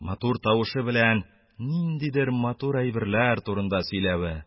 Матур тавышы белән ниндидер матур әйберләр турында сөйләве..